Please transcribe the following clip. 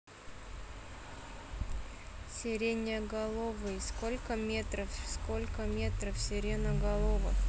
сиреноголовый сколько метров сколько метров сиреноголовых